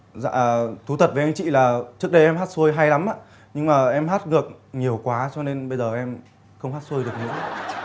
dạ thú thật với anh chị là trước đây em hát xuôi hay lắm ạ nhưng mà em hát ngược nhiều quá cho nên bây giờ em không hát xuôi được nữa